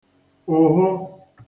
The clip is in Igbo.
ụ̀hụ